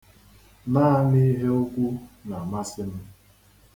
Naanị ihe ukwu na-amasi ̣m.